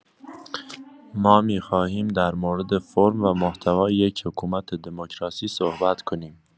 ما می‌خواهیم در مورد فرم و محتوای یک حکومت دموکراسی صحبت کنیم.